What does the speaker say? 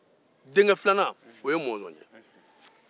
mɔzɔn ye denkɛ filanan ye